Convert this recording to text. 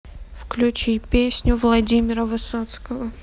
включи песню владимира высоцкого